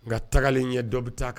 Nka tagalen ɲɛ dɔ bɛ taa kan